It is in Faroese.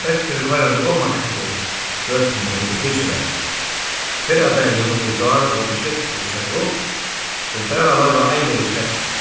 bert verður koyrandi oman eftir gøtuni undir pisuvarða fyrradagin og í gjár vórðu skelti sett upp sum bara loyva einvegis ferðslu